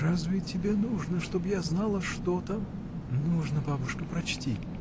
— Разве тебе нужно, чтоб я знала, что там?. — Нужно, бабушка, прочти.